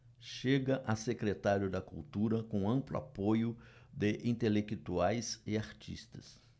chega a secretário da cultura com amplo apoio de intelectuais e artistas